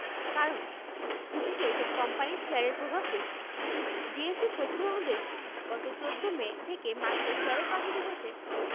কারণ সূচকে এসব কোম্পানির শেয়ারের প্রভাব বেশি ডিএসইর তথ্য অনুযায়ী গত ১৪ মে থেকে মাত্র ১৩ কার্যদিবসে